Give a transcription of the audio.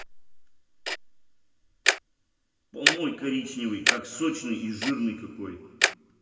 помой коричневый как сочный и жирный какой